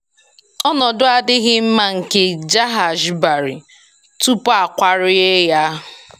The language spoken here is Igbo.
Ọnọdụ adịghị mma nke "Jahaj Bari" tupu a kwarie ya.